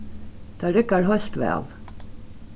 tað riggar heilt væl